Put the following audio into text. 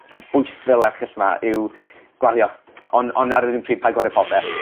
Ond bwystfil erchyll 'ma yw gwario. On' on' ar yr un pryd paid gwario popeth.